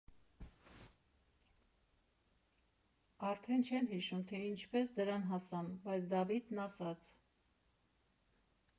Արդեն չեն հիշում, թե ինչպես դրան հասան, բայց Դավիթն ասաց.